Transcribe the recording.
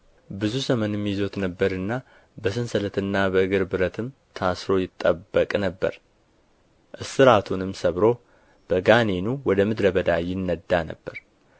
ብዙ ዘመንም ይዞት ነበርና በሰንሰለትና በእግር ብረትም ታስሮ ይጠበቅ ነበር እስራቱንም ሰብሮ በጋኔኑ ወደ ምድረ በዳ ይነዳ ነበር